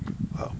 waaw